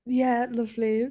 Ie, lyfli.